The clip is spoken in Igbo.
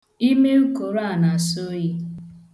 Ime ukoro a na-asọ oyi.